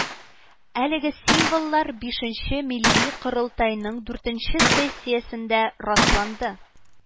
Әлеге символлар бишенче милли Корылтайның дүртенче сессиясендә расланды